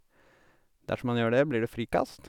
Dersom man gjør det blir det frikast.